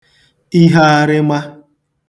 ihearịma